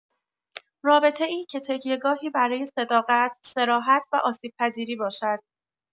رابطه‌ای که تکیه‌گاهی برای صداقت، صراحت و آسیب‌پذیری باشد.